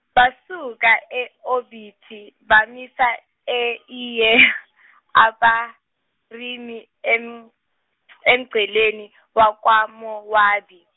basuka e Oboti bamisa e iye Abarimi em- emngceleni wakwaMowabi.